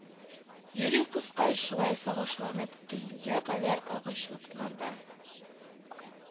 Иөри кызкай шулай сагышланып, Төнгә кадәр агачлыкларда